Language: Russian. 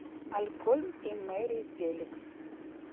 малькольм и mary зеликс